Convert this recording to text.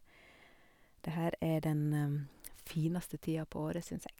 Det her er den fineste tida på året, syns jeg.